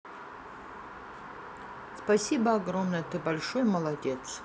спасибо огромное ты большой молодец